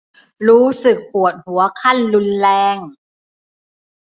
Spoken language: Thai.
รู้สึกปวดหัวขั้นรุนแรง